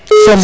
Som